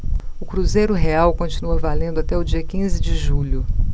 o cruzeiro real continua valendo até o dia quinze de julho